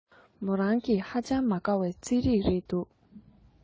མོ རང གི ཧ ཅང མི དགའ བའི རྩིས རིགས རེད འདུག